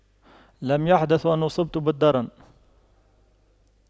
لم يحدث وأن اصبت بالدرن